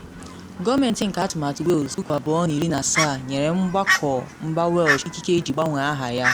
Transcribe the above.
Gọọmentị nke Atụmatụ Wales 2017 nyere mgbakọ mba Welsh ikike iji gbanwee aha ya.